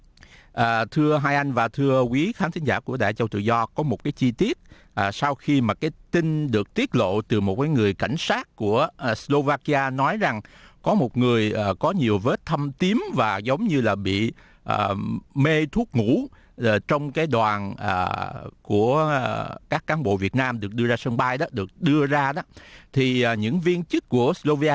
à thưa hai anh và thưa quý khán thính giả của đài á châu tự do có một cái chi tiết à sau khi mà cái tin được tiết lộ từ một cái người cảnh sát của ờ sì lâu va ki a nói rằng có một người ờ có nhiều vết thâm tím và giống như là bị ờm mê thuốc ngủ ờ trong cái đoàn ờ của a các cán bộ việt nam được đưa ra sân bay đó được đưa ra đó thì những viên chức của sì lâu vi